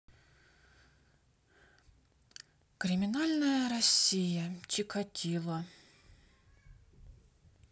криминальная россия чикатило